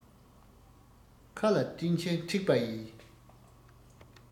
མཁའ ལ སྤྲིན ཆེན འཁྲིགས པ ཡིས